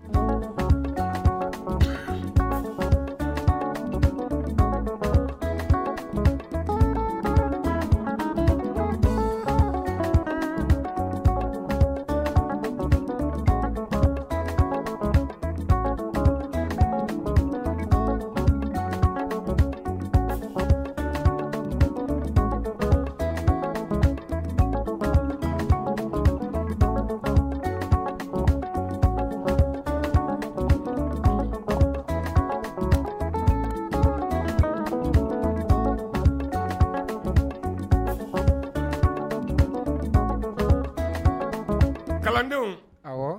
Kalan